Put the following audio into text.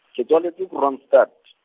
ke tswaletswe Kroonstad.